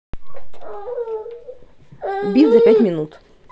бит за пять минут